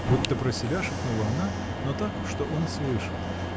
— будто про себя шепнула она, но так, что он слышал.